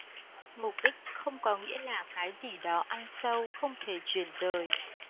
mục đích không có nghĩa là cái gì đó ăn sâu không thể chuyển dời